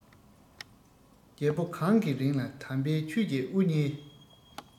རྒྱལ པོ གང གི རིང ལ དམ པའི ཆོས ཀྱི དབུ བརྙེས